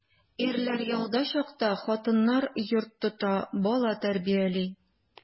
Ирләр яуда чакта хатыннар йорт тота, бала тәрбияли.